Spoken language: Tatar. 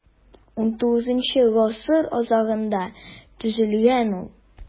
XIX гасыр азагында төзелгән ул.